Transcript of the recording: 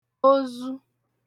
ozu